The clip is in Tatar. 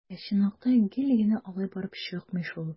Ә чынлыкта гел генә алай барып чыкмый шул.